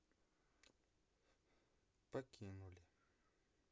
покинули